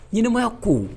Yirilimaya ko